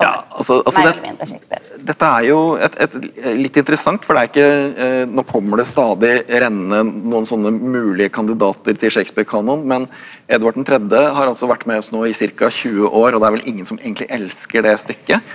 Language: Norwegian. ja altså altså den dette er jo et et litt interessant for det er ikke når kommer det stadig rennende noen sånne mulige kandidater til Shakespeare-kanon, men Edvard den tredje har altså vært med oss nå i ca. 20 år og det vel ingen som egentlig elsker det stykket.